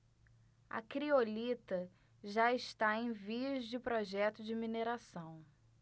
a criolita já está em vias de projeto de mineração